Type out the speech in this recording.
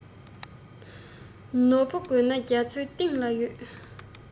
ནོར བུ དགོས ན རྒྱ མཚོའི གཏིང ལ ཡོད